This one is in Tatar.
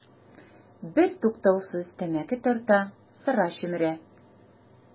Бертуктаусыз тәмәке тарта, сыра чөмерә.